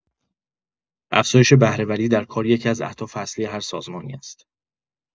افزایش بهره‌وری در کار یکی‌از اهداف اصلی هر سازمانی است.